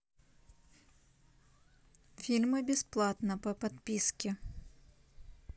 фильмы бесплатно по подписке